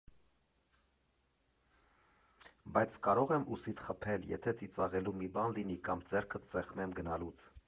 Բայց կարո՞ղ եմ ուսիդ խփել, եթե ծիծաղալու մի բան լինի կամ ձեռքդ սեղմեմ գնալուց։